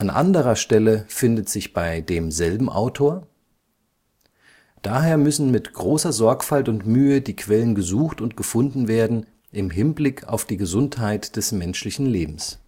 anderer Stelle findet sich bei demselben Autor: Daher müssen mit großer Sorgfalt und Mühe die Quellen gesucht und gefunden werden im Hinblick auf die Gesundheit des menschlichen Lebens